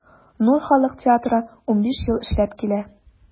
“нур” халык театры 15 ел эшләп килә.